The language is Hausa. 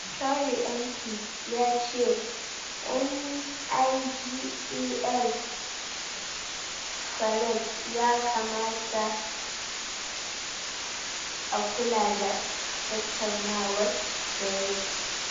Tory MP ya ce NIGEL FARAGE ya kamata a kula da tattaunawar Brexit